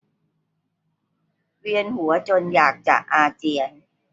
เวียนหัวจนอยากจะอาเจียน